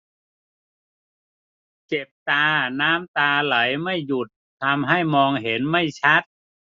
เจ็บตาน้ำตาไหลไม่หยุดทำให้มองเห็นไม่ชัด